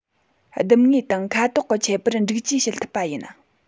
ཟླུམ ངོས དང ཁ དོག གི ཁྱད པར འགྲིག བཅོས བྱེད ཐུབ པ ཡིན